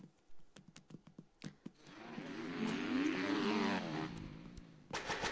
моя милая мама